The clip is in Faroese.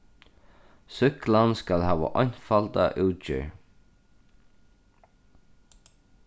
súkklan skal hava einfalda útgerð